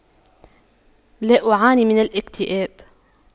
لا أعاني من الاكتئاب